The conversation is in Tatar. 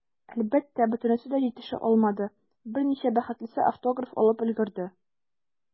Әлбәттә, бөтенесе дә җитешә алмады, берничә бәхетлесе автограф алып өлгерде.